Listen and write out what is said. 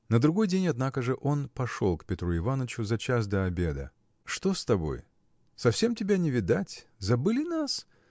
На другой день, однако же, он пошел к Петру Иванычу за час до обеда. – Что с тобой? совсем тебя не видать? забыли нас?